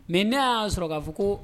Mɛ n y'a sɔrɔ k'a fɔ ko